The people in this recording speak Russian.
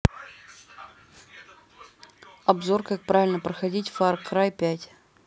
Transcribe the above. обзор как правильно проходить far cry пять